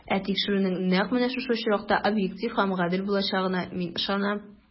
Ә тикшерүнең нәкъ менә шушы очракта объектив һәм гадел булачагына мин ышанам.